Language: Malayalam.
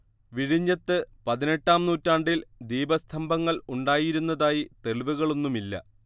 വിഴിഞ്ഞത്ത് പതിനെട്ടാം നൂറ്റാണ്ടിൽ ദീപസ്തംഭങ്ങൾ ഉണ്ടായിരുന്നതായി തെളിവുകളൊന്നുമില്ല